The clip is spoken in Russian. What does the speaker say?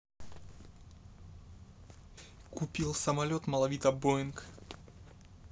купил самолет малавита боинг